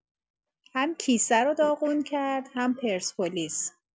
هم کیسه رو داغون کرد هم پرسپولیس